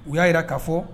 U y'a jira k kaa fɔ